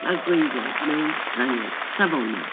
Ma'r gwreiddiol mewn Ffrangeg safonol.